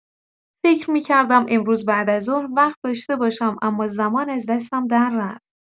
فکر می‌کردم امروز بعدازظهر وقت داشته باشم، اما زمان از دستم دررفت.